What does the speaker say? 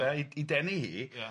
...deud i denu hi... Ia.